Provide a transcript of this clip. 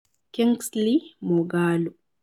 Kingsley Moghalu